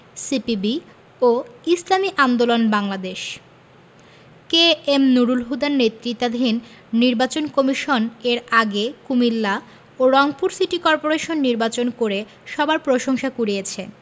CPB ও Islami Andolan Bangladesh K M Nurul হুদার নেতৃত্বাধীন নির্বাচন কমিশন এর আগে কুমিল্লা ও রংপুর সিটি করপোরেশন নির্বাচন করে সবার প্রশংসা কুড়িয়েছে